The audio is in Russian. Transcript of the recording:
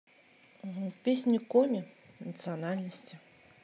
песни коми национальности